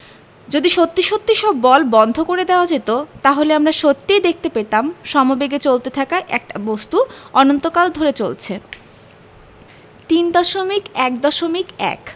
যদি সত্যি সত্যি সব বল বন্ধ করে দেওয়া যেত তাহলে আমরা সত্যিই দেখতে পেতাম সমবেগে চলতে থাকা একটা বস্তু অনন্তকাল ধরে চলছে 3.1.1